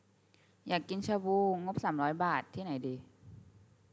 อยากกินชาบูงบสามร้อยบาทที่ไหนดี